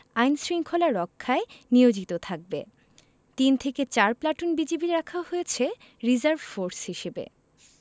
আইন শৃঙ্খলা রক্ষায় নিয়োজিত থাকবে তিন থেকে চার প্লাটুন বিজিবি রাখা হয়েছে রিজার্ভ ফোর্স হিসেবে